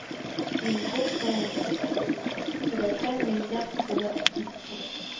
– инде соң булды, теләсәң миндә кунып кит, – ди